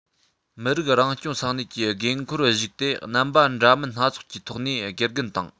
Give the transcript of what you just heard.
མི རིགས རང སྐྱོང ས གནས ཀྱི དགོས མཁོར གཞིགས ཏེ རྣམ པ འདྲ མིན སྣ ཚོགས ཀྱི ཐོག ནས དགེ རྒན དང